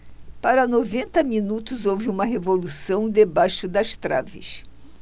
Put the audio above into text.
para noventa minutos houve uma revolução debaixo das traves